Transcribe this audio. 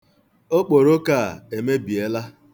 Okporoko a emebiela.